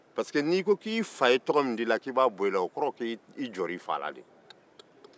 pariseke i fa ye tɔgɔ min da i la n'i y'o bɔ i la o kɔrɔ ye k'i jɔnna i fa la de